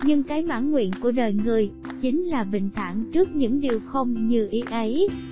nhưng cái mãn nguyện của đời người chính là bình thản trước những điều không như ý ấy